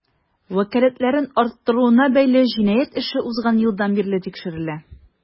Вәкаләтләрен арттыруына бәйле җинаять эше узган елдан бирле тикшерелә.